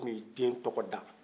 kun bi den tɔgɔda